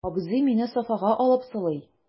Абзый мине софага алып сылый.